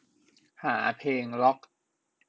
หาเพลงร็อค